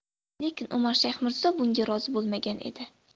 lekin umarshayx mirzo bunga rozi bo'lmagan edi